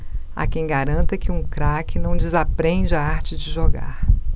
há quem garanta que um craque não desaprende a arte de jogar